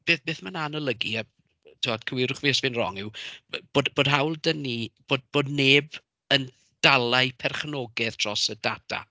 Beth, beth ma' 'na'n olygu, a timod cywirwch fi os fi'n wrong, yw bod, bod hawl 'da ni, bod bod neb yn dala eu perchnogaeth dros y data.